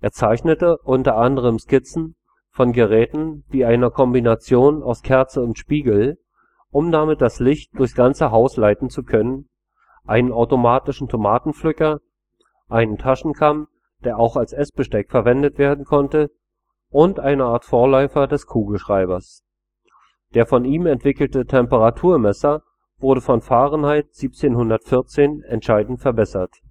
zeichnete unter anderem Skizzen von Geräten wie einer Kombination aus Kerze und Spiegel, um damit das Licht durchs ganze Haus leiten zu können, einen automatischen Tomatenpflücker, einen Taschenkamm, der auch als Essbesteck verwendet werden konnte, und eine Art Vorläufer des Kugelschreibers. Der von ihm entwickelte Temperaturmesser wurde von Fahrenheit 1714 entscheidend verbessert